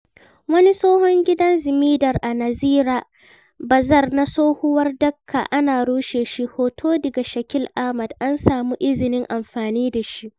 Wani tsohon gidan Zamidar a Nazira Bazar na tsohuwar Dhaka ana rushe shi. Hoto daga Shakil Ahmed. An samu izinin amfani da shi.